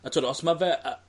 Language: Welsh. A t'wod os ma' fe yy